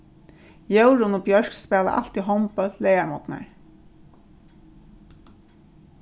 jórunn og bjørk spæla altíð hondbólt leygarmorgnar